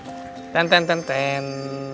tén tén tén tèn